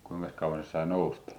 kuinkas kauan se sai nousta